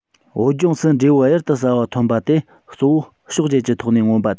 བོད ལྗོངས སུ འབྲས བུ གཡུར དུ ཟ བ ཐོན པ དེ གཙོ བོ ཕྱོགས བརྒྱད ཀྱི ཐོག ནས མངོན པ སྟེ